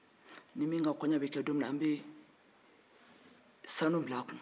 ni min ka kɔɲɔ bɛ kɛ don min na an bɛ sanu bia a kun